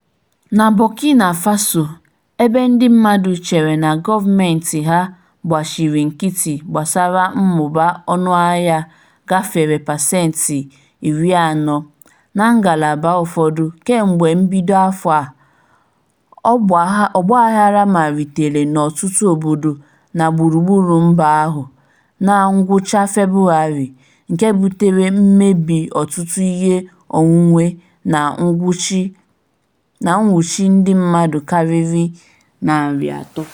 Na Burkina Faso, ebe ndị mmadụ chere na gọọmentị ha gbachịrị nkịtị gbasara mmụba ọnụahịa gafere pasenti 40 na ngalaba ụfọdụ kemgbe mbido afọ a, ọgbaaghara malitere n'ọtụtụ obodo na gburugburu mba ahụ na ngwụcha Febụwarị, nke butere mmebi ọtụtụ ihe onwunwe na nwụchi ndị mmadụ karịrị 300.